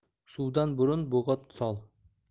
suvdan burun bo'g'ot sol